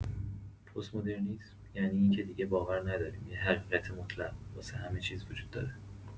پست‌مدرنیسم یعنی اینکه دیگه باور نداریم یه حقیقت مطلق واسه همه چیز وجود داره.